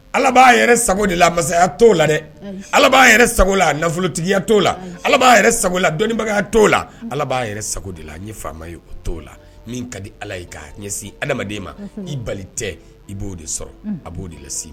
Ala b'a yɛrɛ sagogo de la masaya t'o la dɛ ala b'a yɛrɛ sagogo la a nafolotigiya t'o la ala b'a yɛrɛ sagogo la dɔnnibagaya t'o la ala b'a yɛrɛ sago de la a ye faama ye o t la min ka di ala ka ɲɛsin adamaden ma i bali tɛ i b'o de sɔrɔ a b'o de lase